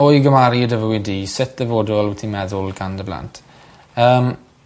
O'i gymaru â dy fywyd di sut dyfodol wyt ti'n meddwl gan dy blant? Yym.